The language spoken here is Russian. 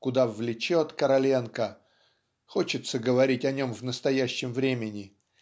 куда влечет Короленко (хочется говорить о нем в настоящем времени.